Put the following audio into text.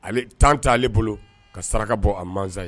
Ale tan t ta ale bolo ka saraka bɔ a mansa ye